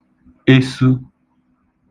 esu